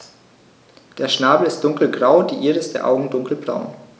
Der Schnabel ist dunkelgrau, die Iris der Augen dunkelbraun.